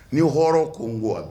Ni hɔrɔn kun k